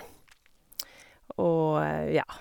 Og, ja.